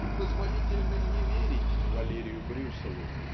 И позволительно не верить Валерию Брюсову